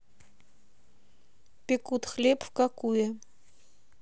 пекут хлеб в кокуе